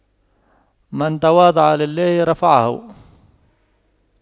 من تواضع لله رفعه